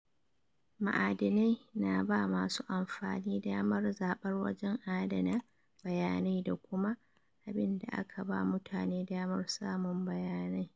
Ma’adinai na ba masu amfani damar zabar wajen adana bayyanai da kuma abin da aka ba mutane damar samun bayanai.